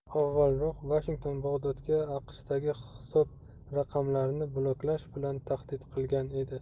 avvalroq vashington bag'dodga aqshdagi hisob raqamlarni bloklash bilan tahdid qilgan edi